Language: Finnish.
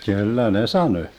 kyllä ne sanoi